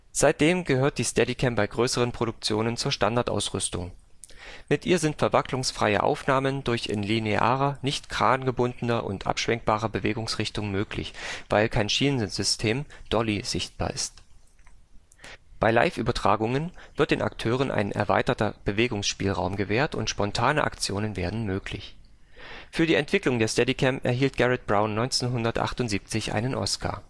Seitdem gehört die Steadicam bei größeren Produktionen zur Standardausrüstung. Mit ihr sind verwacklungsfreie Aufnahmen auch in linearer (nicht krangebundener) und abschwenkbarer Bewegungsrichtung möglich, weil kein Schienensystem (Dolly) sichtbar ist. Bei Live-Übertragungen wird den Akteuren ein erweiterter Bewegungsspielraum gewährt, und spontane Aktionen werden möglich. Für die Entwicklung der Steadicam erhielt Garrett Brown 1978 einen Oscar